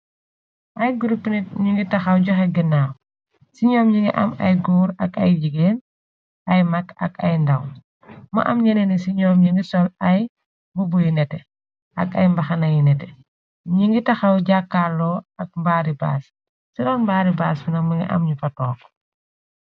Ay gurup nit ñu ngi taxaw joxe ginaaw ci ñoom ñu ngi am ay góur ak ay jigéen ay mag ak ay ndaw mo am ñyeneen ni ci ñyoom yi ngi sol ay mu buyu nete ak ay mbaxana yu nete ñi ngi taxaw jàkkaloo ak mbaari baas ci roon mbaari baas bina mingi am ñu fatook